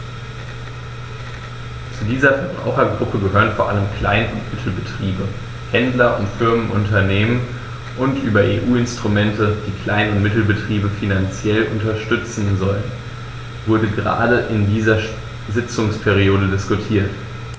Zu dieser Verbrauchergruppe gehören vor allem Klein- und Mittelbetriebe, Händler und Familienunternehmen, und über EU-Instrumente, die Klein- und Mittelbetriebe finanziell unterstützen sollen, wurde gerade in dieser Sitzungsperiode diskutiert.